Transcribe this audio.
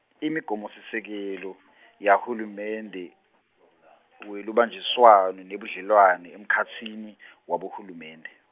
imigomosisekelo , yahulumende, welubanjiswano nebudlelwano emkhatsini , wabohulumende.